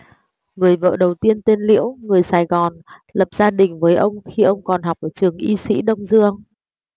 người vợ đầu tên tên liễu người sài gòn lập gia đình với ông khi ông còn học ở trường y sĩ đông dương